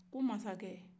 ko masakɛ